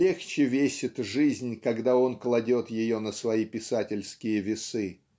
Легче весит жизнь, когда он кладет ее на свои писательские весы.